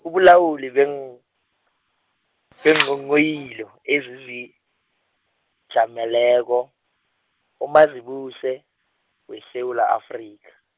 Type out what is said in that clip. ubulawuli beN- benghonghoyilo ezizijameleko, uMazibuse, weSewula Afrika.